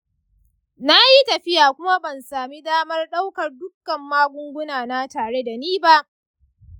na yi tafiya kuma ban sami damar ɗaukar dukkan magunguna na tare da ni ba.